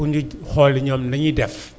pour ñu xool li ñoom la ñuy def